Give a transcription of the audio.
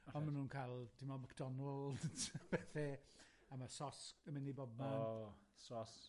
ond ma' nw'n ca'l, ti'mod, Macdonalds, bethe, a ma' sos yn mynd i bobman. O! Sos.